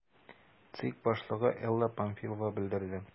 ЦИК башлыгы Элла Памфилова белдерде: